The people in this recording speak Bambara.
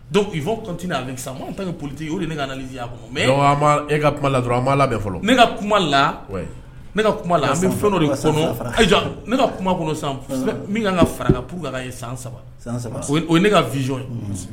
Donc, ils vont continuer avec moi en tant que politique o de ye ne ka analyse ye a kɔnɔ, mais e ka kuma la dɔrɔnw, an b'a labɛn fɔlɔ, ne ka kuma la , wayi, ne ka kuma la, an bɛ fɛn dɔ de kɔnɔ, ayi, i jɔ, ne ka kuma kɔnɔ sis san min ka kan ka fara a kan san 3 , o ye ne ka visio ye.